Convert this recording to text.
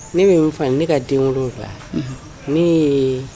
Ne bɛ n fa ye ne ka den wolo faga